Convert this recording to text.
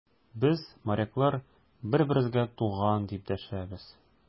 Без, моряклар, бер-беребезгә туган, дип дәшәбез.